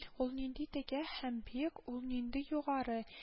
— ул нинди текә һәм биек, ул нинди югары